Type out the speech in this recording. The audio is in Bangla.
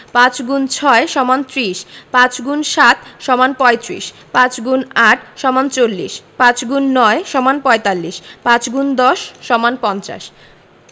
৫x ৬ = ৩০ ৫× ৭ = ৩৫ ৫× ৮ = ৪০ ৫x ৯ = ৪৫ ৫×১০ = ৫০